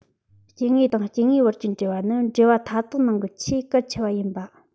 སྐྱེ དངོས དང སྐྱེ དངོས བར གྱི འབྲེལ བ ནི འབྲེལ བ མཐའ དག ནང གི ཆེས གལ ཆེ བ ཡིན པ